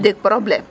a jeg problème